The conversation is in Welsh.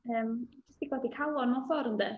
Yym jyst i codi calon mewn ffordd ynde.